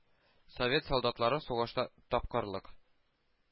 Совет солдатлары сугышта тапкырлык,